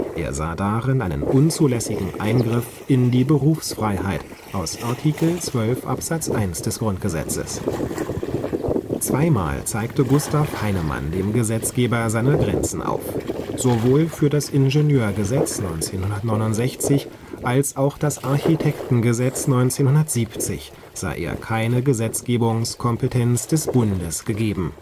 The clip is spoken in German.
Er sah darin einen unzulässigen Eingriff in die Berufsfreiheit (Art. 12 Abs. 1 GG). Zweimal zeigte Gustav Heinemann dem Gesetzgeber seine Grenzen auf: Sowohl für das Ingenieurgesetz (1969) als auch das Architektengesetz (1970) sah er keine Gesetzgebungskompetenz des Bundes gegeben